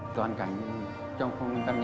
toàn cảnh trong không căn